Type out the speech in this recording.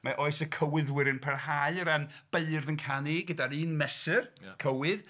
Mae oes y Cywyddwyr yn parhau o ran beirdd yn canu gyda'r un mesur. Ia. Cywydd.